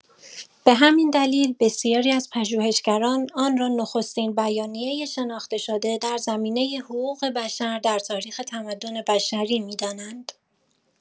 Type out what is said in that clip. به همین دلیل، بسیاری از پژوهشگران آن را نخستین بیانیه شناخته شده در زمینه حقوق‌بشر در تاریخ تمدن بشری می‌دانند.